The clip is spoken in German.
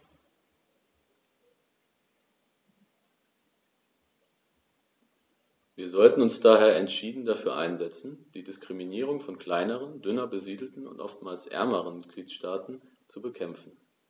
Wir sollten uns daher entschieden dafür einsetzen, die Diskriminierung von kleineren, dünner besiedelten und oftmals ärmeren Mitgliedstaaten zu bekämpfen.